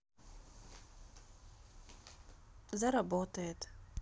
заработает